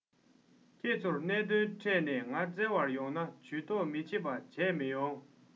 ཁྱེད ཚོར གནད དོན འཕྲད ནས ང བཙལ བར ཡོང ན ཇུས གཏོགས མི བྱེད པ བྱས མ ཡོང